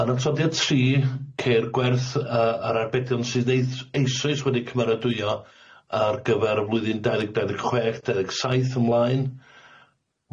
Yn y todiad tri ceir gwerth yy yr arbedion sydd neith eisoes wedi cymeradwyo ar gyfer y flwyddyn dau ddeg dau ddeg chwech dau ddeg saith ymlaen,